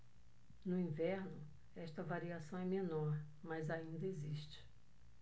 no inverno esta variação é menor mas ainda existe